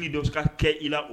Don ka kɛ i la